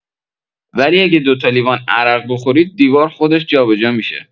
ولی اگه دوتا لیوان عرق بخورید دیوار خودش جابجا می‌شه!